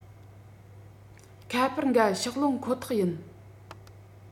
ཁ པར འགའ ཕྱོགས ལྷུང ཁོ ཐག ཡིན